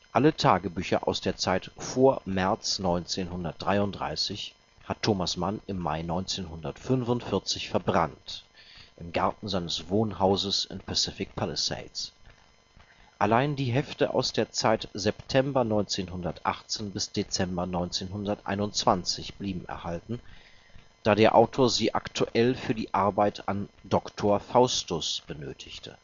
Alle Tagebücher aus der Zeit vor März 1933 hat Thomas Mann im Mai 1945 verbrannt, im Garten seines Wohnhauses in Pacific Palisades. Allein die Hefte aus der Zeit September 1918 bis Dezember 1921 blieben erhalten, da der Autor sie aktuell für die Arbeit an Doktor Faustus benötigte